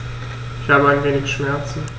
Ich habe ein wenig Schmerzen.